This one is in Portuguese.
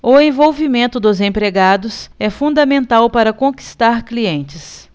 o envolvimento dos empregados é fundamental para conquistar clientes